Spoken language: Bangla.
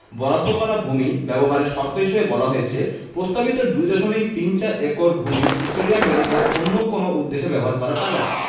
বরাদ্দ করা ভূমি ব্যবহারের শর্ত হিসেবে বলা হয়েছে প্রস্তাবিত ২ দশমিক তিন চার একর ভূমি স্টেডিয়াম ব্যতীত অন্য কোনো উদ্দেশ্যে ব্যবহার করা যাবে না